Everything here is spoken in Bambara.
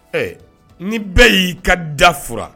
Ɛɛ ni bɛɛ y'i ka da fura!